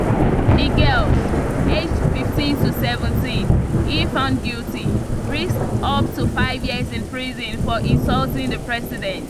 The girls, aged 15 to 17, if found guilty, risk up to five years in prison for insulting the president.